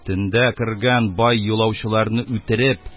Төндә кергән бай юлаучыларны үтереп